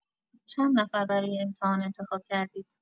چند نفر برای امتحان انتخاب کردید؟